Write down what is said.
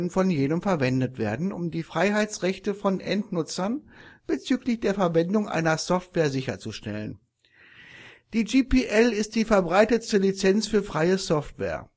von jedem verwendet werden, um die Freiheits-Rechte von Endnutzern bzgl. der Verwendung einer Software sicherzustellen. Die GPL ist die verbreitetste Lizenz für Freie Software